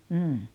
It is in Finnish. mm